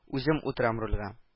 Үзем утырам рульга